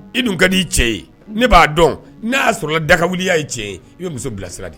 Iun ka n'i cɛ ye ne b'a dɔn n'a y'a sɔrɔ dagaka wuliya ye tiɲɛ ye i ye muso bilasira di